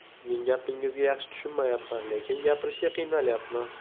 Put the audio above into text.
sizning gapingizga yaxshi tushunayapman lekin gapirishga qiynalayapman